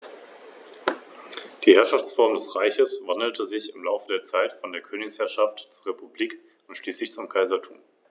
Das Fell der Igel ist meist in unauffälligen Braun- oder Grautönen gehalten.